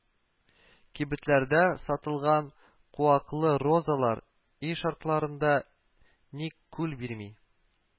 Кибетләрдә сатылган куаклы розалар өй шартларында ник кул бирми